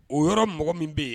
O yɔrɔ mɔgɔ min bɛ yen